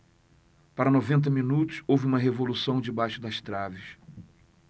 para noventa minutos houve uma revolução debaixo das traves